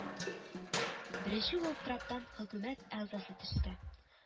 Беренче булып траптан хөкүмәт әгъзасы төште